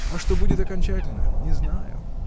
А что будет окончательно — не знаю.